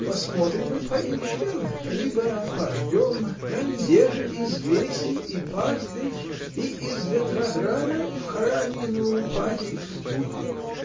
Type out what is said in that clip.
Посмотрим и поищем, либо пождем, дондеже из весей и пастбищ или из вертограда в храмину паки вступит.